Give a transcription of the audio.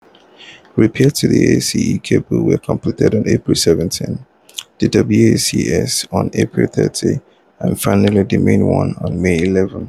Repairs to the ACE cable were completed on April 17, the WACS on April 30, and, finally, the MainOne on May 11.